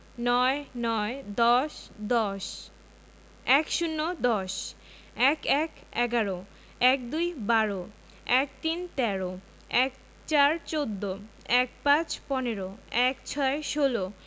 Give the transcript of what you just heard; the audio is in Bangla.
৯ - নয় ১০ – দশ ১০ দশ ১১ - এগারো ১২ - বারো ১৩ - তেরো ১৪ - চৌদ্দ ১৫ – পনেরো ১৬ - ষোল